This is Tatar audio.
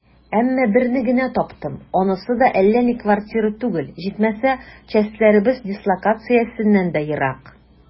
Әмма берне генә таптым, анысы да әллә ни квартира түгел, җитмәсә, частьләребез дислокациясеннән дә ерак.